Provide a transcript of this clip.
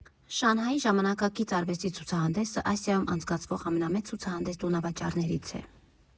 Շանհայի ժամանակակից արվեստի ցուցահանդեսը Ասիայում անցկացվող ամենամեծ ցուցահանդես֊տոնավաճառներից է։